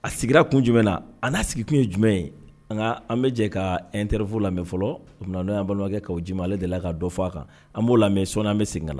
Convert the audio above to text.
A sigira kun jumɛn na an n'a sigi kun ye jumɛn ye an ŋaa an bɛ jɛ kaa interview lamɛ fɔlɔɔ o kuna n'o yan balimakɛ Kaou Djim ye ale deli la ka dɔ fɔ a kan an b'o lamɛ sɔɔni an bɛ segin na